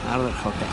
Ardderchog de.